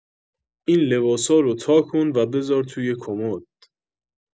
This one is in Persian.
این لباسا رو تا کن و بذار توی کمد